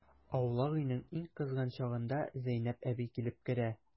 Аулак өйнең иң кызган чагында Зәйнәп әби килеп керә.